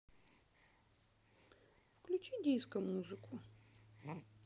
включи диско музыку